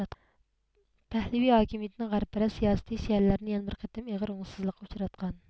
پەھلىۋى ھاكىمىيىتىنىڭ غەربپەرەس سىياسىتى شىئەلەرنى يەنە بىر قېتىم ئېغىر ئوڭۇشسىزلىققا ئۇچراتقان